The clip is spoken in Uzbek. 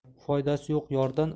foydasi yo'q yordan